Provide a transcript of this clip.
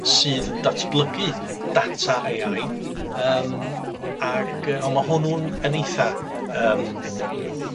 sydd yn datblygu data Ay I yym ag yy on' ma' hwnnw'n yn eitha yym